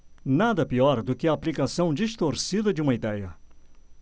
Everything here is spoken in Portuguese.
nada pior que a aplicação distorcida de uma idéia